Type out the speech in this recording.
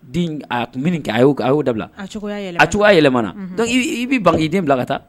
A tun min kɛ a y'o dabila a cogoya' yɛlɛmamanac i bɛ ba k'i den bila ka taa